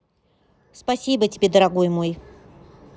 спасибо тебе дорогой мой